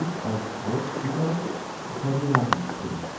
als Gauß-Krüger-Koordinatensystem